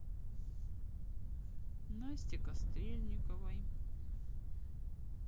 насте кастрельниковой